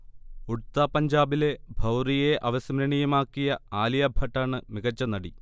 ഉഡ്താ പഞ്ചാബിലെ ഭൗറിയയെ അവിസ്മരണീയമാക്കിയ ആലിയ ഭട്ടാണ് മികച്ച നടി